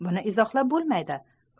buni izohlab bo'lmaydi